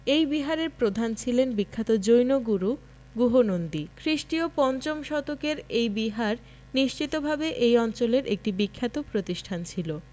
এই বিহারের প্রধান ছিলেন বিখ্যাত জৈন গুরু গুহনন্দী খ্রিস্টীয় ৫ম শতকের এই বিহার নিশ্চিতভাবে এ অঞ্চলের একটি বিখ্যাত প্রতিষ্ঠান ছিল